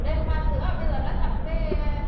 đêm pha sữa bây giờ nói thật mới